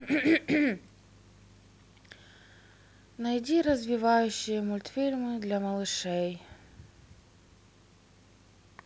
найди развивающие мультфильмы для малышей